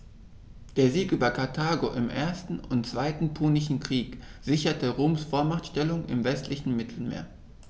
Der Sieg über Karthago im 1. und 2. Punischen Krieg sicherte Roms Vormachtstellung im westlichen Mittelmeer.